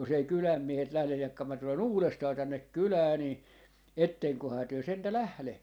jos ei kylän miehet lähde jahka minä tulen uudestaan tänne kylään niin etteköhän te sentään lähde